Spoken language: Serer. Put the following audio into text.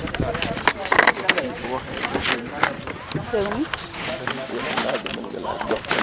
*